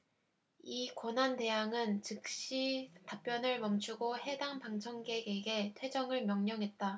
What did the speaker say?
이 권한대항은 즉시 답변을 멈추고 해당 방청객에게 퇴정을 명령했다